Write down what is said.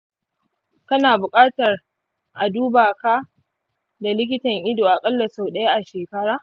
kana buƙatar a duba ka da likitan ido aƙalla sau ɗaya a shekara.